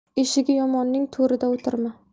eshigi yomonning to'rida o'tirma